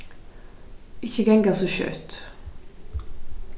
ikki ganga so skjótt